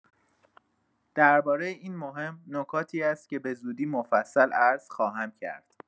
درباره این مهم، نکاتی است که به‌زودی مفصل عرض خواهم کرد!